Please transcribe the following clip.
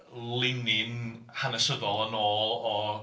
Linyn hanesyddol yn ôl o...